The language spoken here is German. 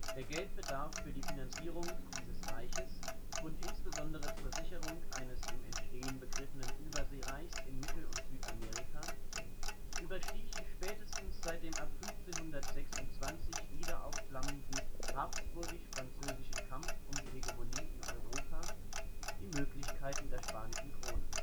Der Geldbedarf für die Finanzierung dieses Reiches – und insbesondere zur Sicherung ihres im Entstehen begriffenen Überseereichs in Mittel - und Südamerika – überstieg spätestens seit dem ab 1526 wiederaufflammenden habsburgisch-französischen Kampf um die Hegemonie in Europa die Möglichkeiten der spanischen Krone